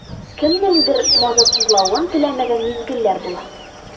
Кемнеңдер мазасызлавын теләмәгән мизгелләр була.